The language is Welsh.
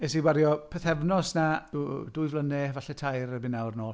Wnes i wario pythefnos... na yy dwy flynedd, falle tair erbyn nawr, yn ôl.